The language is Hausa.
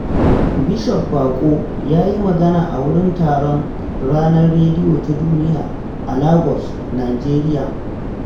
Bishop Bako ya yi magana a wurin taron Ranar Rediyo Ta Duniya, a Lagos Nijeriya,